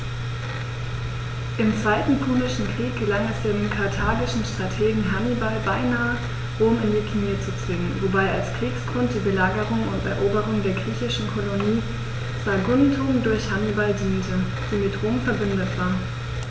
Im Zweiten Punischen Krieg gelang es dem karthagischen Strategen Hannibal beinahe, Rom in die Knie zu zwingen, wobei als Kriegsgrund die Belagerung und Eroberung der griechischen Kolonie Saguntum durch Hannibal diente, die mit Rom „verbündet“ war.